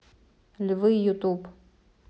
львы ютуб